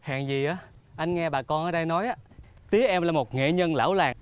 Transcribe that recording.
hèn gì á anh nghe bà con ở đây nói á tía em là một nghệ nhân lão làng